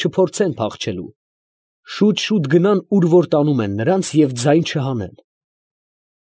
Չփորձեն փախչելու, շուտ֊շուտ գնան, ուր որ տանում են նրանց և ձայն չհանեն…։